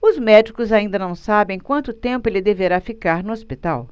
os médicos ainda não sabem quanto tempo ele deverá ficar no hospital